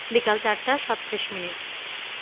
বিকেল ৪ টা ৩৭ মিনিট